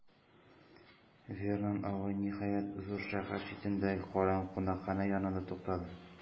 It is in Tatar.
Вернон абый, ниһаять, зур шәһәр читендәге караңгы кунакханә янында туктады.